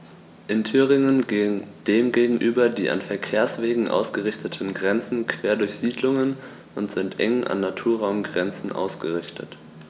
In Thüringen gehen dem gegenüber die an Verkehrswegen ausgerichteten Grenzen quer durch Siedlungen und sind eng an Naturraumgrenzen ausgerichtet.